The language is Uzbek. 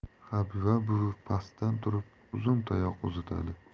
habiba buvi pastdan turib uzun tayoq uzatadi